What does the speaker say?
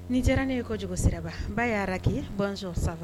Ni diyara n ne ye ko sira n baa y' kɛ bɔn saba